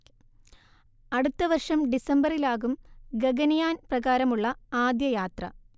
അടുത്ത വർഷം ഡിസംബറിലാകും ഗഗൻയാൻ പ്രകാരമുള്ള ആദ്യ യാത്ര